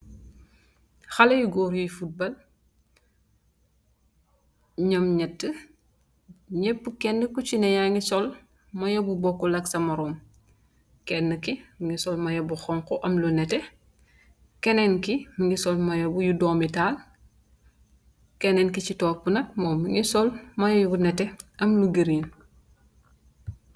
Khaleh yu goor yuy football nyum nyatti nyep kenah kusi neh yange sul mayoh bu bukut ak sa morom keni ki mungi sul mayoh bu xong khu am lu neteh kenen ki mungi sul mayoh bu dume taal kenen kisi topub mungi sul mayoh bu neteh am lu green